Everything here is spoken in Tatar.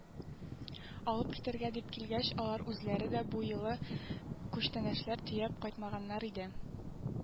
Алып китәргә дип килгәч, алар үзләре дә бу юлы күчтәнәчләр төяп кайтмаганнар иде.